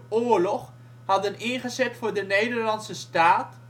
oorlog hadden ingezet voor de Nederlandse staat